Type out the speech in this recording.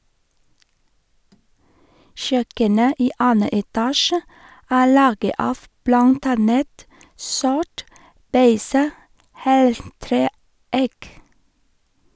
Kjøkkenet i annen etasje er laget av blant annet sort, beiset heltre eik.